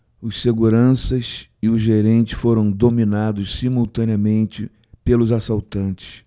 os seguranças e o gerente foram dominados simultaneamente pelos assaltantes